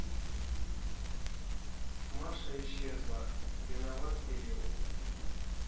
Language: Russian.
маша исчезла виноват кирилл